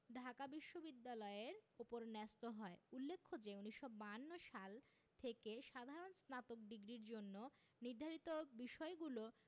ঢাকা বিশ্ববিদ্যালয়ের ওপর ন্যস্ত হয় উল্লেখ্য যে ১৯৫২ সাল থেকে সাধারণ স্নাতক ডিগ্রির জন্য নির্ধারিত বিষয়গুলো